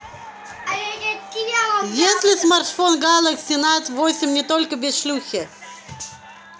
есть ли смартфон galaxy note восемь но только без шлюхи